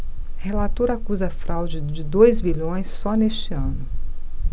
relator acusa fraude de dois bilhões só neste ano